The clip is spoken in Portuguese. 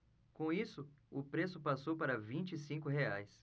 com isso o preço passou para vinte e cinco reais